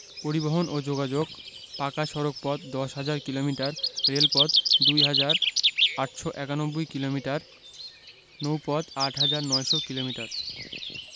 পরিবহণ ও যোগাযোগঃ পাকা সড়কপথ ১০হাজার কিলোমিটার রেলপথ ২হাজার ৮৯১ কিলোমিটার নৌপথ ৮হাজার ৯০০ কিলোমিটার